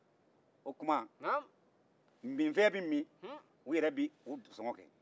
minfɛn bɛ u yɛrɛ bɛ u dungɔ kɛ